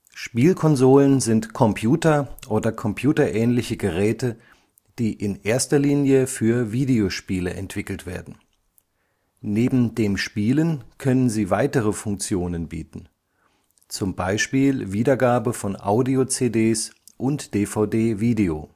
Spiel (e) konsolen sind Computer oder computerähnliche Geräte, die in erster Linie für Videospiele entwickelt werden. Neben dem Spielen können sie weitere Funktionen bieten – zum Beispiel Wiedergabe von Audio-CDs und DVD-Video